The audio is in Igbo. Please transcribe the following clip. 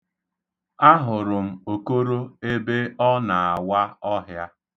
Ahụrụ m Okoro ebe ọ na-awa ọhịa.